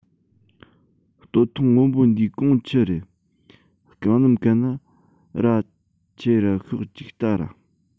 སྟོད ཐུང སྔོན པོ འདིའི གོང ཆི རེད རྐང སྣམ གན ན ར ཁྱེར ར ཤོག ཅིག ལྟ ར